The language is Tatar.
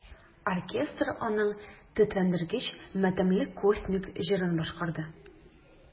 Оркестр аның тетрәндергеч матәмле космик җырын башкарды.